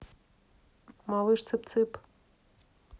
малыш цып цып